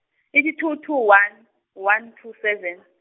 eighty two two one, one two seven.